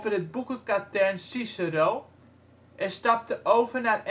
het boekenkatern Cicero, en stapte over naar